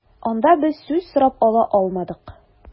Анда без сүз сорап ала алмадык.